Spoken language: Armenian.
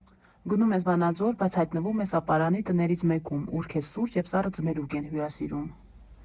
Գնում ես Վանաձոր, բայց հայտնվում ես Ապարանի տներից մեկում, ուր քեզ սուրճ և սառը ձմերուկ են հյուրասիրում։